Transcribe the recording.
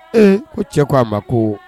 Ee ko cɛ ko a ma koo